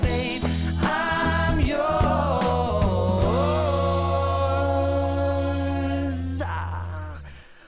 music